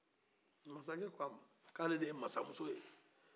masakɛ ko a ma ko ale de ye masamuso